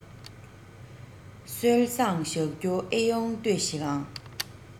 སྲོལ བཟང གཞག རྒྱུ ཨེ ཡོང ལྟོས ཤིག ཨང